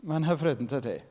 Mae'n hyfryd, yn dydi?